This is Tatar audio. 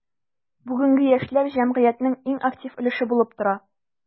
Бүгенге яшьләр – җәмгыятьнең иң актив өлеше булып тора.